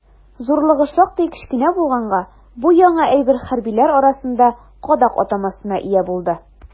Зурлыгы шактый кечкенә булганга, бу яңа әйбер хәрбиләр арасында «кадак» атамасына ия булды.